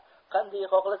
qanday xohlasam